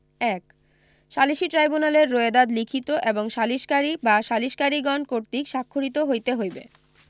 ১ সালিসী ট্রাইব্যুনালের রোয়েদাদ লিখিত এবং সালিসকারী বা সালিসকারীগণ কর্তৃক স্বাক্ষরিত হইতে হইবে